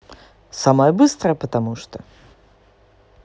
самая быстрая потому что